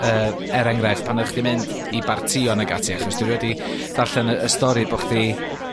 Yy er enghraifft, pan o'ch chdi'n mynd i bartïon ag ati achos dwi wedi darllen y y stori bo' chdi